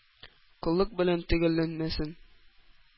Коллык белән төгәлләнмәсен!